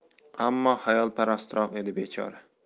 ammo xayolparastroq edi bechora